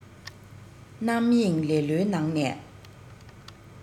རྣམ གཡེང ལེ ལོའི ནང ནས